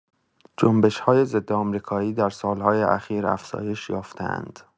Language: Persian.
جنبش‌های ضدآمریکایی در سال‌های اخیر افزایش یافته‌اند.